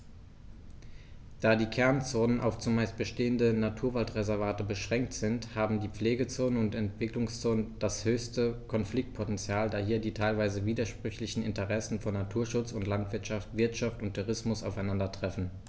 Da die Kernzonen auf – zumeist bestehende – Naturwaldreservate beschränkt sind, haben die Pflegezonen und Entwicklungszonen das höchste Konfliktpotential, da hier die teilweise widersprüchlichen Interessen von Naturschutz und Landwirtschaft, Wirtschaft und Tourismus aufeinandertreffen.